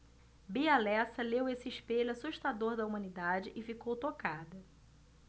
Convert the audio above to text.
bia lessa leu esse espelho assustador da humanidade e ficou tocada